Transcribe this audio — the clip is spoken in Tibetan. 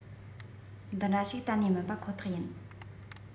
འདི འདྲ ཞིག གཏན ནས མིན པ ཁོ ཐག ཡིན